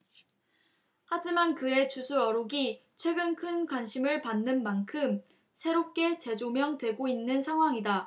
하지만 그의 주술 어록이 최근 큰 관심을 받는 만큼 새롭게 재조명되고 있는 상황이다